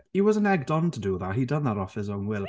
He wasn't egged on to do that, he done that off his own will.